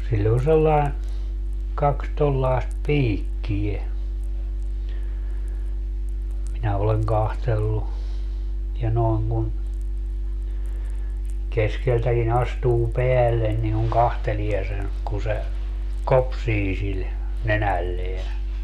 sillä on sellainen kaksi tuollaista piikkiä minä olen katsellut ja noin kun keskeltäkin astuu päälle niin kun katselee sen kun se kopsii sillä nenällään